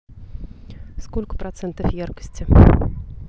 сколько процентов яркости